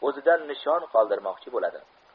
o'zidan nishon qoldirmoqchi bo'ladi